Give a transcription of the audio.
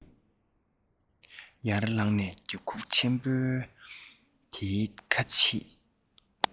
ཡར ལངས ནས རྒྱབ ཁུག ཆེན པོ དེའི ཁ ཕྱེས